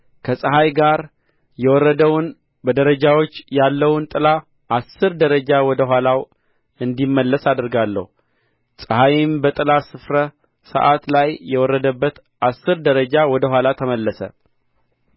ከፀሐይ ጋር የወረደውን በደረጃዎች ያለውን ጥላ አሥር ደረጃ ወደ ኋላ እንዲመለስ አደርጋለሁ ፀሐይም በጥላ ስፍረ ሰዓት ላይ የወረደበት አሥር ደረጃ ወደ ኋላ ተመለሰ